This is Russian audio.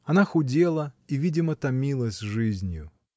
Она худела и видимо томилась жизнью.